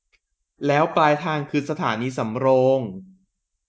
แล้วปลายทางคือสถานีสำโรง